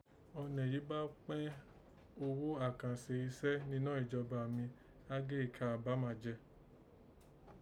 Ọnẹ yìí bá pẹ́n oghó àkànse isẹ́ ninọ́ ìjọba mi á gé ìka àbámà jẹ́